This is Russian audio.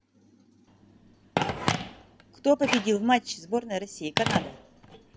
кто победил в матче сборная россии канада